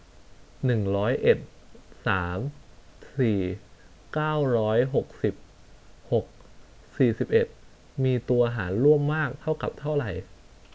หนึ่งร้อยเอ็ดสามสี่เก้าร้อยหกสิบหกสี่สิบเอ็ดมีตัวหารร่วมมากเท่ากับเท่าไหร่